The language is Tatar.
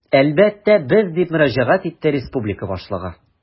Әлбәттә, без, - дип мөрәҗәгать итте республика башлыгы.